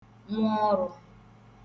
nwọọrụ̄